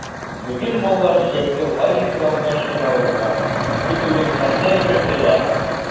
Бүген маллар җәйге лагерьларга чыгарылган, көтүлекләрдә йөртелә.